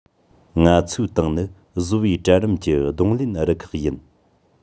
ང ཚོའི ཏང ནི བཟོ པའི གྲལ རིམ གྱི གདོང ལེན རུ ཁག ཡིན